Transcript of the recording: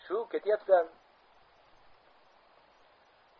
shu ketyapsan